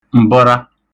m̀bə̣ra